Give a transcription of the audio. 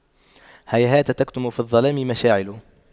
هيهات تكتم في الظلام مشاعل